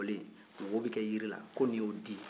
yiri jɔlen wo bɛ kɛ jirila ko nin y'o di ye